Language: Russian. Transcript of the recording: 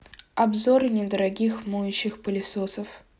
обзоры недорогих моющих пылесосов